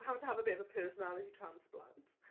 having to have a bit of a personality transplant.